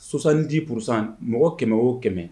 Sonsandi psan mɔgɔ kɛmɛ o kɛmɛ